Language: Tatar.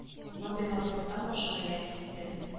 Мондый матурлыктан башым әйләнеп китте